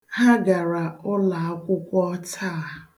Ha gara ụlaakwụkwọ taa.